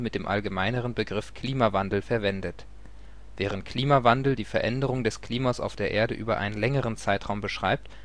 dem allgemeineren Begriff Klimawandel verwendet. Während Klimawandel die Veränderung des Klimas auf der Erde über einen längeren Zeitraum beschreibt